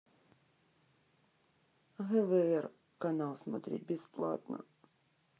гвр канал смотреть бесплатно